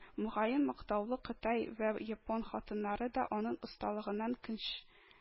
Мөгаен, мактаулы кытай вә япон хатыннары да аның осталыгыннан көнш